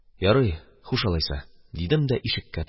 Ярый, хуш, алайса», – дидем дә ишеккә таба